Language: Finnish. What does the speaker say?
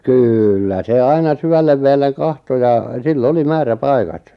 kyllä se aina syvälle vedelle katsoi ja sillä oli määräpaikat